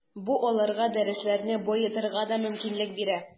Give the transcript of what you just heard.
Бу аларга дәресләрне баетырга да мөмкинлек бирә.